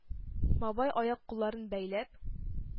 Бабай, аяк-кулларын бәйләп,